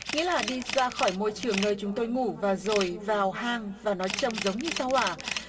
nghĩa là đi ra khỏi môi trường nơi chúng tôi ngủ và rồi vào hang và nó trông giống như sao hỏa